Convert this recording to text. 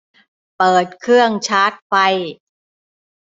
เปิดเครื่องชาร์จไฟ